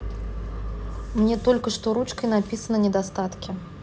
мне только то что ручкой написано недостатки